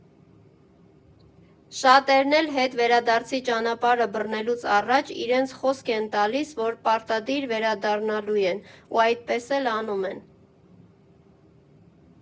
Շատերն էլ հետ վերադարձի ճանապարհը բռնելուց առաջ իրենց խոսք են տալիս, որ պարտադիր վերադառնալու են ու այդպես էլ անում են։